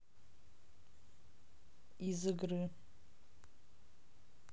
из игры